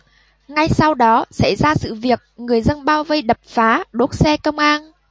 ngay sau đó xảy ra sự việc người dân bao vây đập phá đốt xe công an